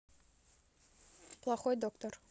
плохой доктор